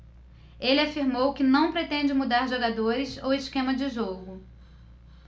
ele afirmou que não pretende mudar jogadores ou esquema de jogo